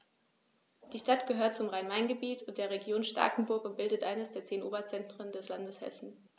Die Stadt gehört zum Rhein-Main-Gebiet und der Region Starkenburg und bildet eines der zehn Oberzentren des Landes Hessen.